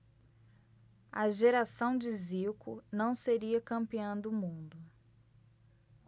a geração de zico não seria campeã do mundo